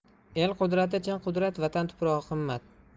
el qudrati chin qudrat vatan tuprog'i qimmat